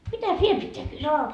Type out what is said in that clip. mitäs vielä pitää kysyä